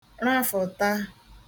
rafụ̀ta